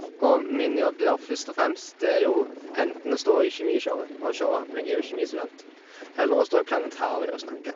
Og min jobb der først og fremst det er jo enten å stå i kjemishowet og showe, jeg er jo kjemistudent, eller å stå i planetariet og snakke.